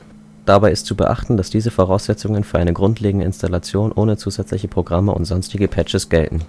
Dabei ist zu beachten, dass diese Voraussetzungen für eine grundlegende Installation ohne zusätzliche Programme und sonstige Patches gelten